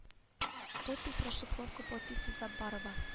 Подпись расшифровка подписи заббарова